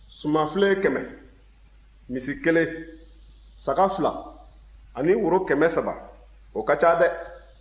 sumanfilen kɛmɛ misi kelen saga fila ani woro kɛmɛ saba o ka ca dɛ